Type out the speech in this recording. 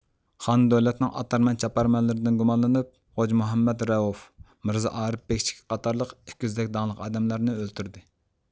خان دۆلەتنىڭ ئاتارمەن چاپارمەنلىرىدىن گۇمانلىنىپ خوجامۇھەممەت رەئوف مىرزائارىپ بىكچىك قاتارلىق ئىككى يۈزدەك داڭلىق ئادەملەرنى ئۆلتۈردى